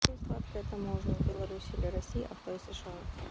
джой сладкая таможня в белоруссии для россии авто из сша